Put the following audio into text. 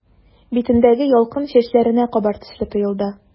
Битендәге ялкын чәчләренә кабар төсле тоелды.